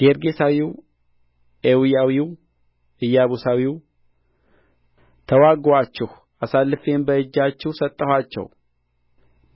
ጌርጌሳዊው ኤዊያዊው ኢያቡሳዊው ተዋጉአችሁ አሳልፌም በእጃችሁ ሰጠኋቸው